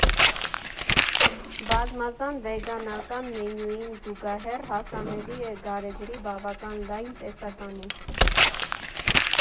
Բազմազան վեգանական մենյուին զուգահեռ հասանելի է գարեջրի բավական լայն տեսականի։